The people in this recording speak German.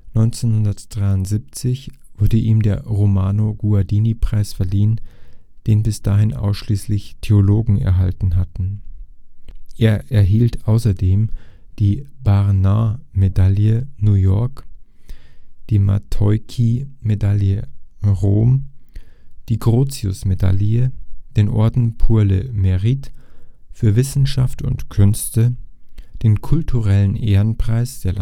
1973 wurde ihm der Romano-Guardini-Preis verliehen, den bis dahin ausschließlich Theologen erhalten hatten. Er erhielt außerdem die Barnard-Medaille New York, die Matteucci-Medaille (Rom), die Grotius-Medaille, den Orden Pour le mérite für Wissenschaft und Künste, den Kulturellen Ehrenpreis der Landeshauptstadt